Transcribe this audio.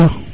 iyo